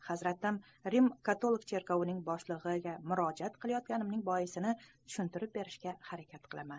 hazratim rim katolik cherkovining boshlig'iga murojaat qilayotganimning boisini tushuntirib berishga harakat qilaman